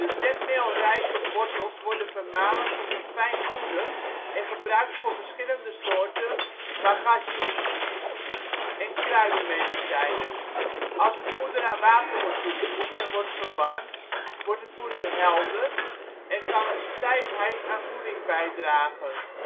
zetmeelrijke wortels worden vermalen tot een fijn poeder en gebruikt voor verschillende soorten wagashi (Japanse hapjes) en kruidenmedicijnen. Als het poeder aan water wordt toegevoegd en wordt verwarmd, wordt het poeder helder en kan het stijfheid aan voeding bijdragen